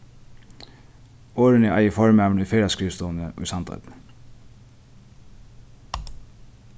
orðini eigur formaðurin í ferðaskrivstovuni í sandoynni